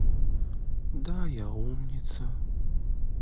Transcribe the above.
да я умница